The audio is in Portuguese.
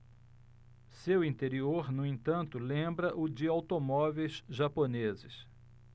seu interior no entanto lembra o de automóveis japoneses